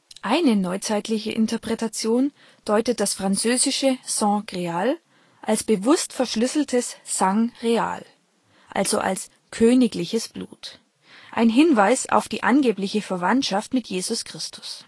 Eine neuzeitliche Interpretation deutet das französische " San Greal " als bewusst verschlüsseltes " Sang real ", also als " königliches Blut ", ein Hinweis auf die angebliche Verwandtschaft mit Jesus Christus